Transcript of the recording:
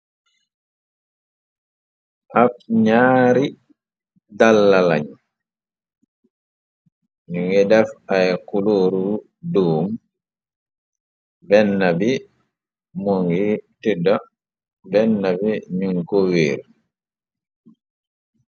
ab ñaari dallalañ ñu ngi def ay kulooru doom benna bi mo ngi tidda benna bi ñuñ ko wiir